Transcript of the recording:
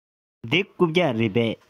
འདི རྐུབ བཀྱག རེད པས